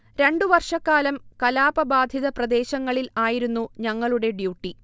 രണ്ടു വർഷക്കാലം കലാപബാധിത പ്രദേശങ്ങളിൽ ആയിരുന്നു ഞങ്ങളുടെ ഡ്യൂട്ടി